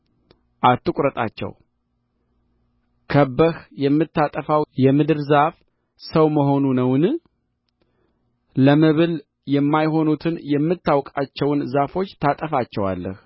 አትቍረጣቸው ከብበህ የምታጠፋው የምድር ዛፍ ሰው መሆኑ ነውን ለመብል የማይሆኑትን የምታውቃቸውን ዛፎች ታጠፋቸዋለህ